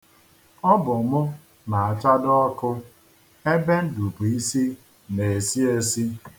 Ọ bụ mụ na-achado ọkụ ebe Ndubuisi na-esi esi.